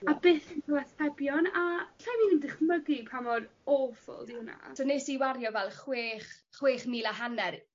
a byth a 'llai 'm even dychmygu pa mor awful 'di wnna. So nes i wario fel chwech chwech mil a hanner